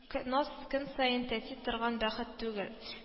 Кноз көн саен тәти торган бәхет түгел